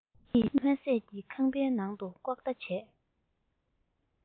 གཉིད མ སད ཀྱིས ཁང པའི ནང དུ ལྐོག ལྟ བྱས